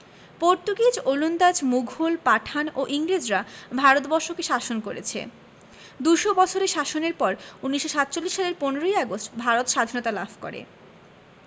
Portuguese ওলন্দাজ মুঘল পাঠান ও ইংরেজরা ভারত বর্ষকে শাসন করেছে দু'শ বছরের শাসনের পর ১৯৪৭ সালের ১৫ ই আগস্ট ভারত সাধীনতা লাভ করে